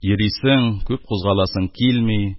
Йөрисең, күп кузгаласың килми